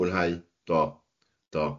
Mwynhau. Do, do.